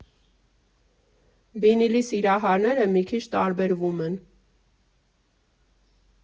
«Վինիլի սիրահարները մի քիչ տարբերվում են։